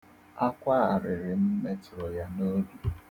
Akwa arịrị m metụrụ ya n'obi.